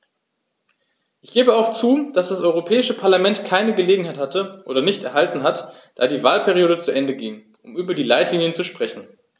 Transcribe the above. Ich gebe auch zu, dass das Europäische Parlament keine Gelegenheit hatte - oder nicht erhalten hat, da die Wahlperiode zu Ende ging -, um über die Leitlinien zu sprechen.